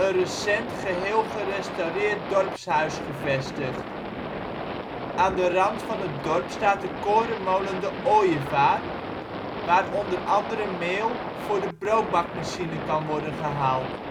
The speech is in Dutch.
recent geheel gerestaureerd dorpshuis gevestigd. Aan de rand van het dorp staat de korenmolen de Ooievaar, waar onder andere meel voor de broodbakmachine kan worden gehaald